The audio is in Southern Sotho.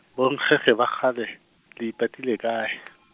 bonkgekge ba kgale, le ipatile kae ?